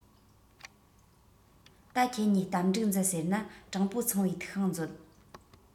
ད ཁྱེད གཉིས གཏམ འགྲིག མཛད ཟེར ན དྲང པོ ཚངས པའི ཐིག ཤིང མཛོད